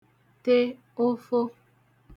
te ofo